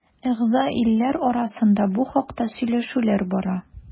Әгъза илләр арасында бу хакта сөйләшүләр бара.